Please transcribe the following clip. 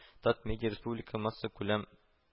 “татмедиа” республика массакүләм